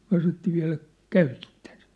me sanottiin vieläkö käytitte sitä